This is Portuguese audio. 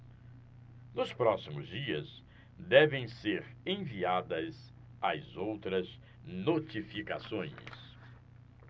nos próximos dias devem ser enviadas as outras notificações